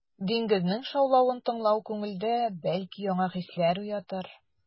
Диңгезнең шаулавын тыңлау күңелдә, бәлки, яңа хисләр уятыр.